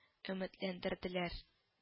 Өметләндерделәр